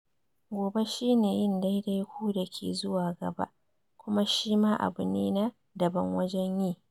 Gobe shi ne yin daidaiku da ke zuwa gaba, kuma shima abu ne na daban wajen yi.